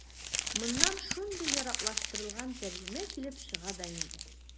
Моннан шундый яраклаштырылган тәрҗемә килеп чыга да инде.